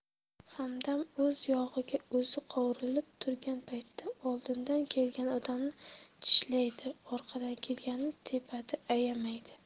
hamdam o'z yog'iga o'zi qovurilib turgan paytda oldindan kelgan odamni tishlaydi orqadan kelganni tepadi ayamaydi